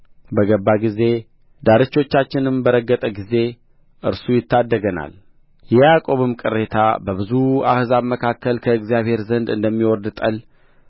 በገባ ጊዜ ዳርቾቻችንንም በረገጠ ጊዜ እርሱ ይታደገናል የያዕቆብም ቅሬታ በብዙ አሕዛብ መካከል ከእግዚአብሔር ዘንድ እንደሚወርድ ጠል